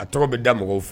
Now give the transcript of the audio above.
A tɔgɔ bɛ da mɔgɔw fɛ